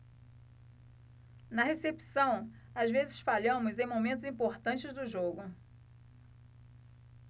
na recepção às vezes falhamos em momentos importantes do jogo